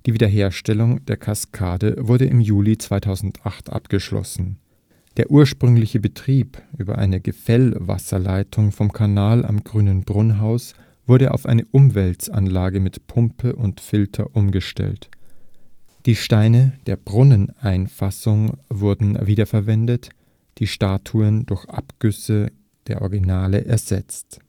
Wiederherstellung der Kaskade wurde im Juli 2008 abgeschlossen. Der ursprüngliche Betrieb über eine Gefällewasserleitung vom Kanal am Grünen Brunnhaus wurde auf eine Umwälzanlage mit Pumpe und Filter umgestellt. Die Steine der Brunneneinfassung wurden wiederverwendet, die Statuen durch Abgüsse der Originale ersetzt